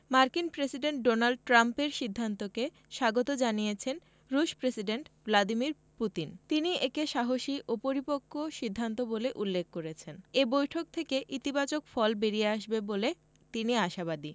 মার্কিন president Donald ট্রাম্পের সিদ্ধান্তকে স্বাগত জানিয়েছেন রুশ প্রেসিডেন্ট ভ্লাদিমির পুতিন তিনি একে সাহসী ও পরিপক্ব সিদ্ধান্ত বলে উল্লেখ করেছেন এ বৈঠক থেকে ইতিবাচক ফল বেরিয়ে আসবে বলে তিনি আশাবাদী